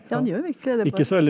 ja han gjør virkelig det bare.